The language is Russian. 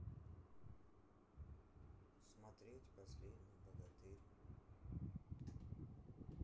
смотреть последний богатырь